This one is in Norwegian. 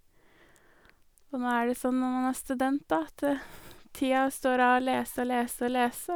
Og nå er det sånn når man er student, da, at tida står av å lese og lese og lese.